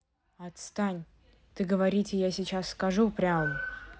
отстань ты говорите я сейчас скажу прям